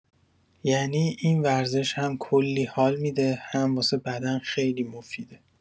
یعنی این ورزش هم کلی حال می‌ده، هم واسه بدن خیلی مفیده.